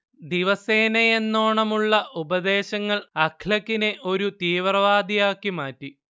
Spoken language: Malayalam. ദിവസേനയെന്നോണമുള്ള ഉപദേശങ്ങൾ അഖ്ലഖിനെ ഒരു തീവ്രവാദിയാക്കി മാറ്റി